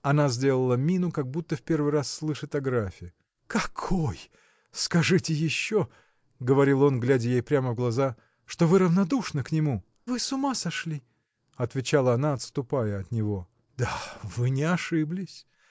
Она сделала мину, как будто в первый раз слышит о графе. – Какой! скажите еще – говорил он глядя ей прямо в глаза – что вы равнодушны к нему? – Вы с ума сошли! – отвечала она, отступая от него. – Да, вы не ошиблись!